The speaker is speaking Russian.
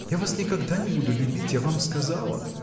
Я вас никогда не буду любить, я вам сказала!